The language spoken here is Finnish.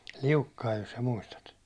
Liukkanen jos sinä muistat